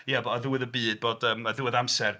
Ia b- ar ddiwedd y byd bod yym... Ar ddiwedd amser...